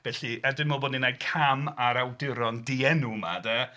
Felly er dwi'n meddwl bod ni'n neud cam ar y awduron dienw ma 'de.